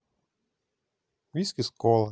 виски с колой